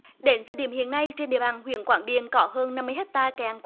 đến thời điểm hiện nay trên địa bàn huyện quảng điền có hơn năm mươi héc ta kèn